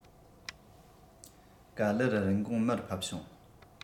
ག ལེར རིན གོང མར ཕབ བྱུང